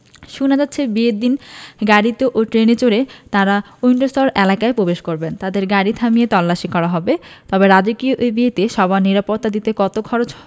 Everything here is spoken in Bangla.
শোনা যাচ্ছে বিয়ের দিন গাড়িতে ও ট্রেনে চড়ে যাঁরা উইন্ডসর এলাকায় প্রবেশ করবেন তাঁদের গাড়ি থামিয়ে তল্লাশি করা হবে তবে রাজকীয় এই বিয়েতে সবার নিরাপত্তা দিতে কত খরচ